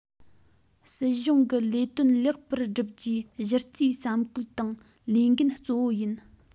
སྲིད གཞུང གི ལས དོན ལེགས པར བསྒྲུབ རྒྱུའི གཞི རྩའི བསམ བཀོད དང ལས འགན གཙོ བོ ཡིན